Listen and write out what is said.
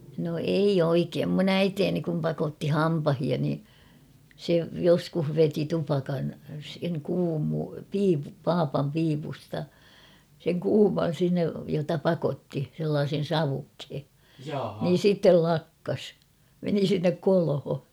no ei oikein minun äitini kun pakotti hampaita niin se joskus veti tupakan sen - papan piipusta sen kuuman sinne jota pakotti sellaisen savukkeen niin sitten lakkasi meni sinne kolho